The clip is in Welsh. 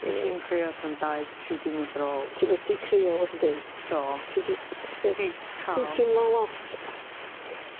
Nes i'm crio tan dau tri diwrnod ar ôl. O' ti wedi crio wedyn. Do.Ti 'di sut... Fi 'di ca'l... ...ti'n timlo lot